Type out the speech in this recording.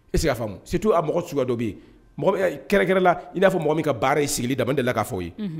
E sig'i y'a faamu surtout a mɔgɔ suguya dɔ be ye mɔgɔ min ɛ kɛrɛnkɛrɛn la i n'a fɔ mɔgɔ min ka baara ye sigili dama n delila k'a fɔ aw ye unhun